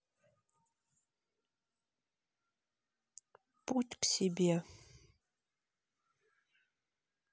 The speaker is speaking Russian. путь к себе